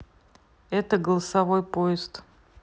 это голосовой поезд